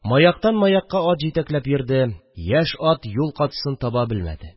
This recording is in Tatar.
Маяктан маякка ат җитәкләп йөрде, яшь ат юл катысын таба белмәде